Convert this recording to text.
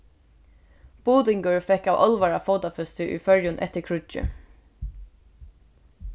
budingur fekk av álvara fótafesti í føroyum eftir kríggið